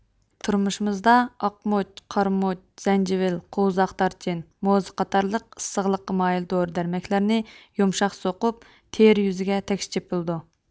تۇرمۇشىمىزدا ئاقمۇچ قارىمۇچ زەنجىۋىل قوۋزاق دارچىن موزا قاتارلىق ئىسسىقلىققا مايىل دورا دەرمەكلەرنى يۇمشاق سوقۇپ تېرە يۈزىگە تەكشى چېپىلىدۇ